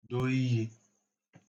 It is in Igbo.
do iyi